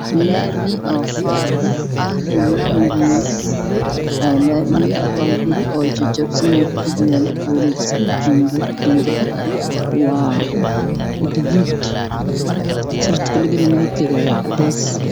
Waa lami d ah waxaan ku og yaalla guud ee dabaq ah oo jeclaa iyo jiingaddafsan oo guduud ah